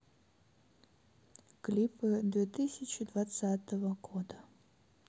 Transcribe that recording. клипы две тысячи двадцатого года